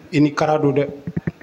I ni kara don dɛ